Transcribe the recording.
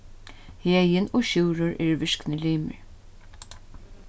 heðin og sjúrður eru virknir limir